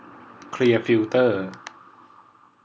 เคลียร์ฟิลเตอร์